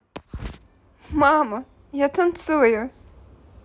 мама я танцую